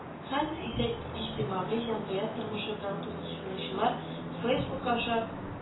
Хәзер исә иҗтимагый җәмгыять тормышы белән кызыксынучылар фэйсбук аша